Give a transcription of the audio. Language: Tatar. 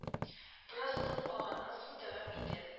Бераз тын алганнан соң дәвам ите